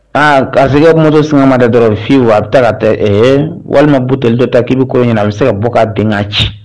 Aa garisɛgɛ kumato sgama de dɔrɔn fiyewu wa a bɛ taa ka tɛ walima bu teli dɔ ta k'ibiko in ɲɛna u bɛ se ka bɔ k ka denkɛ ci